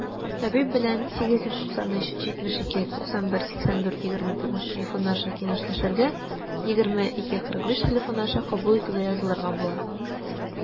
Табиб белән 89372918429 телефоны аша киңәшләшергә, 20-2-45 телефоны аша кабул итүгә язылырга була.